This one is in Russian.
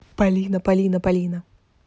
полина полина полина